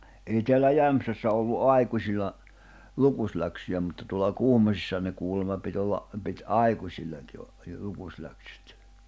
ei täällä Jämsässä ollut aikuisilla lukusläksyjä mutta tuolla Kuhmoisissahan ne kuulema piti olla piti aikuisillekin - jo lukuläksyt